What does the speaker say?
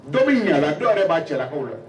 Dɔ bɛ ɲa la, dɔ bɛ yɛrɛ cɛlakaw la